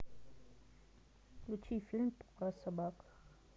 включи фильм про собак